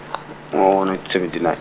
ngo- nineteen seventy nine.